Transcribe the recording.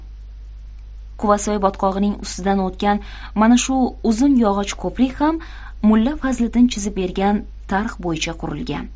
quvasoy botqog'ining ustidan o'tgan mana shu uzun yog'och ko'prik ham mulla fazliddin chizib bergan tarh bo'yicha qurilgan